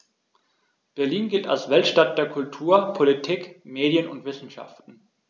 Berlin gilt als Weltstadt der Kultur, Politik, Medien und Wissenschaften.